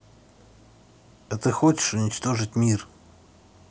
а ты хочешь уничтожить мир